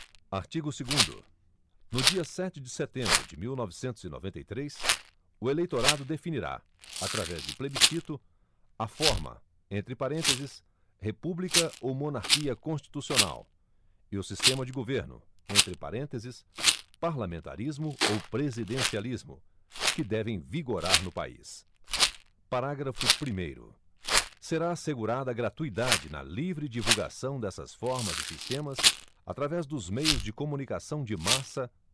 artigo segundo no dia sete de setembro de mil novecentos e noventa e três o eleitorado definirá através de plebiscito a forma entre parênteses república ou monarquia constitucional e o sistema de governo entre parênteses parlamentarismo ou presidencialismo que devem vigorar no país parágrafo primeiro será assegurada gratuidade na livre divulgação dessas formas e sistemas através dos meios de comunicação de massa